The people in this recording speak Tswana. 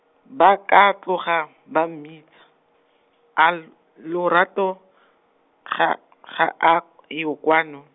ba ka tloga, ba mmitsa, a L- Lorato, ga, ga a yo kwano?